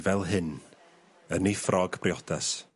...fel hyn. Yn 'i ffrog briodas.